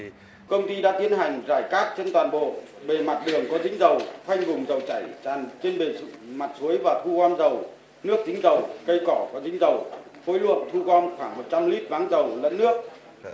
công ty đã tiến hành rải cát trên toàn bộ bề mặt đường có dính dầu phanh vùng dòng chảy tràn trên bề mặt suối và thu gom dầu nước dính dầu cây cỏ có dính dầu khối lượng thu gom khoảng một trăm lít váng dầu lẫn nước